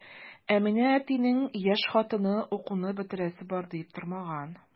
Ә менә әтинең яшь хатыны укуны бетерәсе бар дип тормаган.